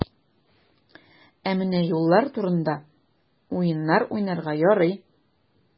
Ә менә юллар турында уеннар уйнарга ярый.